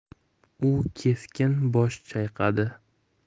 u keskin bosh chayqadi